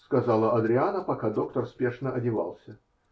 -- сказала Адриана, пока доктор спешно одевался.